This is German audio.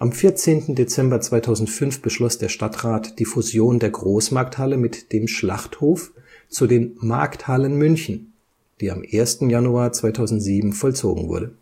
14. Dezember 2005 beschloss der Stadtrat die Fusion der Großmarkthalle mit dem Schlachthof zu den Markthallen München, die am 1. Januar 2007 vollzogen wurde